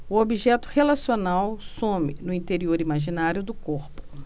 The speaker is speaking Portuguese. o objeto relacional some no interior imaginário do corpo